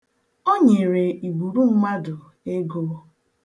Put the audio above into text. O nyere igwuru mmadụ ego.